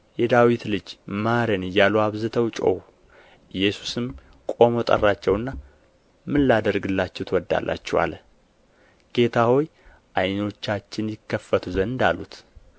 የዳዊት ልጅ ማረን እያሉ አብዝተው ጮኹ ኢየሱስም ቆሞ ጠራቸውና ምን ላደርግላችሁ ትወዳላችሁ አለ ጌታ ሆይ ዓይኖቻችን ይከፈቱ ዘንድ አሉት